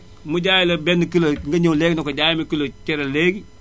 mu jaay la benn kilo nga ñëw léegi ne ko jaay ma kilo cere léegi